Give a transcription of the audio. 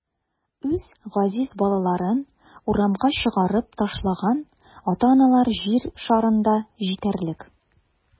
Үз газиз балаларын урамга чыгарып ташлаган ата-аналар җир шарында җитәрлек.